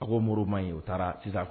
A ko mori ma ye o taara sisan